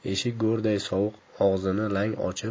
eshik go'rday sovuq og'zini lang ochib